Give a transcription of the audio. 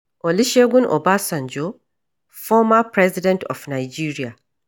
Olusegun Obasanjo, former President of Nigeria.